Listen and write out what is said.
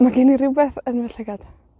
Ma' gen i rywbeth yn fy llygad.